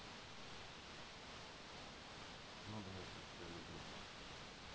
ну да я тоже люблю